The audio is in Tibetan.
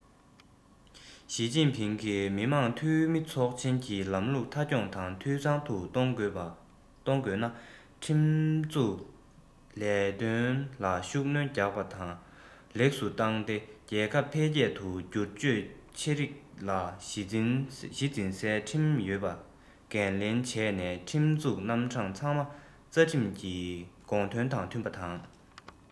ཞིས ཅིན ཕིང གིས མི དམངས འཐུས མི ཚོགས ཆེན གྱི ལམ ལུགས མཐའ འཁྱོངས དང འཐུས ཚང དུ གཏོང དགོས ན ཁྲིམས འཛུགས ལས དོན ལ ཤུགས སྣོན རྒྱག པ དང ལེགས སུ བཏང སྟེ རྒྱལ ཁབ འཕེལ རྒྱས དང སྒྱུར བཅོས ཆེ རིགས ལ གཞི འཛིན སའི ཁྲིམས ཡོད པའི འགན ལེན བྱས ནས ཁྲིམས འཛུགས རྣམ གྲངས ཚང མ རྩ ཁྲིམས ཀྱི དགོངས དོན དང མཐུན པ དང